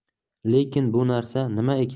lekin bu narsa nima